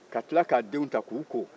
ka tila k'a denw ta k'u ko